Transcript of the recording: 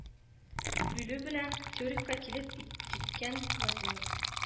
Бүлү белән цюрихка килеп и җиткән владимир